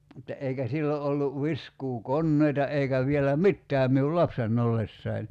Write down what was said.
mutta eikä silloin ollut viskuukoneita eikä vielä mitään minun lapsena ollessani